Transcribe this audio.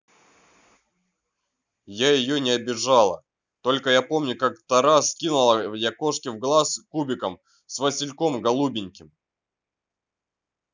я ее не обижала только я помню как то раз скинула я кошке в глаз кубиком с васильком голубеньким